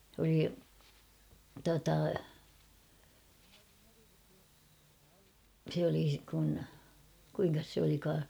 se oli tuota se oli kun kuinkas se olikaan